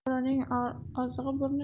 bo'rining ozig'i burnida